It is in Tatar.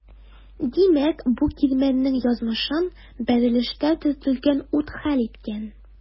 Димәк бу кирмәннең язмышын бәрелештә төртелгән ут хәл иткән.